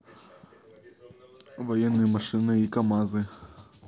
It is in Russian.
военные машины и камазы